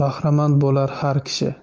bahramand bo'lar har kishi